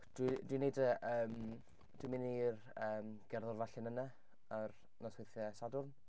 Dwi dwi'n wneud y yym... dwi'n mynd i'r yym gerddora llinynnau ar nosweithiau Sadwrn.